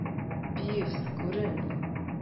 Пивз, күрен!